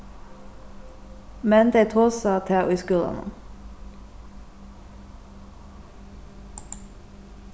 men tey tosa tað í skúlanum